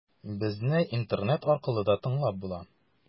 Безне интернет аркылы да тыңлап була.